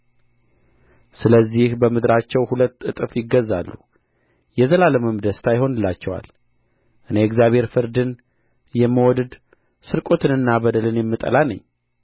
ስለዚህ በምድራቸው ሁሉ እጥፍ ይገዛሉ የዘላለምም ደስታ ይሆንላቸዋል እኔ እግዚአብሔር ፍርድን የምወድድ ስርቆትንና በደልን የምጠላ ነኝ